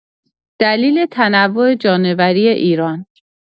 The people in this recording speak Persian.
دلیل تنوع جانوری ایران